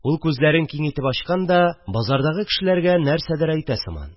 Ул күзләрен киң итеп ачкан да, базардагы кешеләргә нәрсәдер әйтә сыман